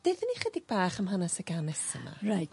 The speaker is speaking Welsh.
Deutha ni chydig bach am hanes y gân nesa 'ma. Reit.